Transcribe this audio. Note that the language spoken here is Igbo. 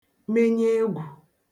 menye egwù